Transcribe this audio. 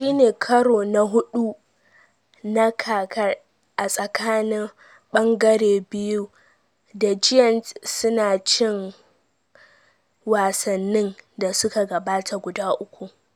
Shi ne karo na hudu na kakar a tsakanin bangare biyun, da Giants su na cin wassannin da suka gabata guda uku.